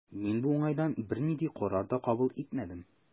Мин бу уңайдан бернинди карар да кабул итмәдем.